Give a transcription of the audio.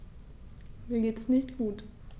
Mir geht es nicht gut.